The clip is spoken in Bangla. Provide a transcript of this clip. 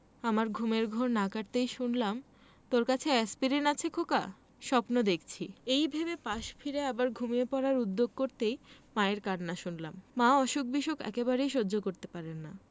আমার ঘুমের ঘোর না কাটতেই শুনলাম তোর কাছে এ্যাসপিরিন আছে খোকা স্বপ্ন দেখছি এই ভেবে পাশে ফিরে আবার ঘুমিয়ে পড়ার উদ্যোগ করতেই মায়ের কান্না শুনলাম মা অসুখবিসুখ একেবারেই সহ্য করতে পারেন না